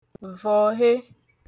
vọ̀he